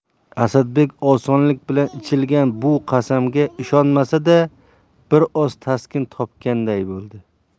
asadbek osonlik bilan ichilgan bu qasamga ishonmasa da bir oz taskin topganday bo'ldi